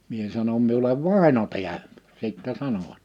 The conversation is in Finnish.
minä sanoin minulle vaino - sitten sanoivat